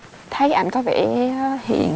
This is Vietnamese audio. thấy ảnh có vẻ hiền